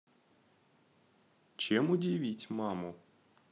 чем удивить маму